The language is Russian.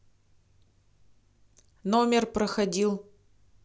номер проходил